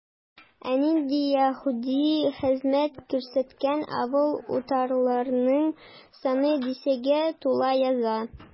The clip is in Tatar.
Ә инде Яһүдә хезмәт күрсәткән авыл-утарларның саны дистәгә тула яза.